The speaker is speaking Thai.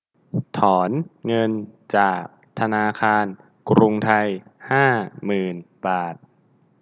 ถอนเงินจากธนาคารกรุงไทยห้าหมื่นบาท